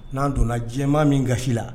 N'an donna jɛ min gasi la